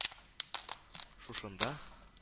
Шушында